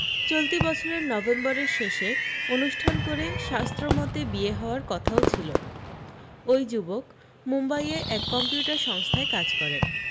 চলতি বছরের নভেম্বরের শেষে অনুষ্ঠান করে শাস্ত্রমতে বিয়ে হওয়ার কথাও ছিল ওই যুবক মুম্বাইয়ে এক কম্পিউটার সংস্থায় কাজ করেন